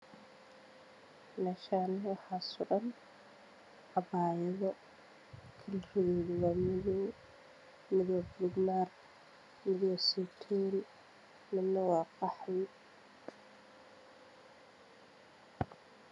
Meeshaan waxaa suran cabaayado midabkoodu waa madow , mid waa buluug maari, mid waa seytuun, midna waa qaxwi.